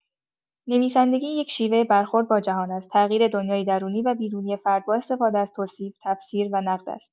نویسندگی یک شیوه برخورد با جهان است، تغییر دنیای درونی و بیرونی فرد با استفاده از توصیف، تفسیر و نقد است.